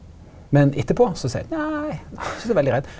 men etterpå så seie nei var ikkje så veldig redd.